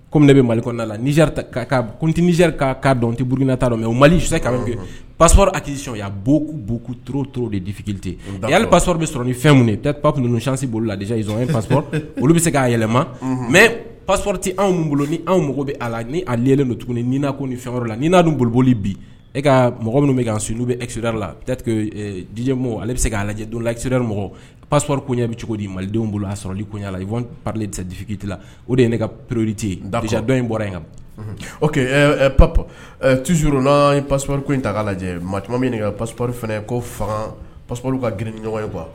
Kɔmi ne bɛ malik' la nizri tɛzri ka kaa dɔn tɛ bururinina ta dɔn mɛ o malisa ka min pas ati sonya buku t t de difikite a ya passɔrɔ bɛ sɔrɔ nin fɛn p pap ninnucsi bolo lasɔrɔ olu bɛ se k'a yɛlɛma mɛ paspɔri tɛ anw bolo ni anw mako bɛ a laalelen don tuguni ni ko nin fɛn la n'a nin bolooli bi e ka mɔgɔ minnu' sunjata bɛ eri la ji ale bɛ se' lajɛ don la iri mɔgɔ pasurri bɛ cogo di malidenw bolo aa sɔrɔ la i pale de bɛ se difikiti la o de ye ne ka preororite yen dadɔ in bɔra in kan pap tu n' pasri ta k'a lajɛ mɔgɔto min ka paspri fana ko fanga pasp ka grin ni ɲɔgɔn ye kuwa